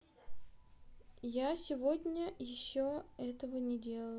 я сегодня еще этого не делала